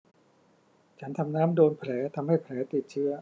ฉันทำน้ำโดนแผลทำให้แผลติดเชื้อ